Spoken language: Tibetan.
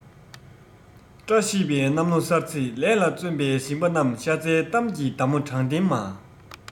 བཀྲ ཤིས པའི གནམ ལོ གསར ཚེས ལས ལ བརྩོན པའི ཞིང པ རྣམས ཤ ཚའི གཏམ གྱི མདའ མོ དྲང བདེན མ